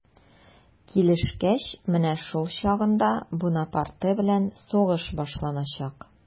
Килешкәч, менә шул чагында Бунапарте белән сугыш башланачак.